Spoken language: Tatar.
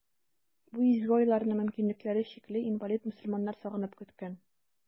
Бу изге айларны мөмкинлекләре чикле, инвалид мөселманнар сагынып көткән.